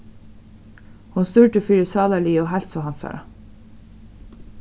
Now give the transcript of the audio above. hon stúrdi fyri sálarligu heilsu hansara